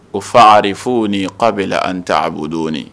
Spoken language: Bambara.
Ko fa ari fo ni k' bɛ an ta a'o dɔɔninɔni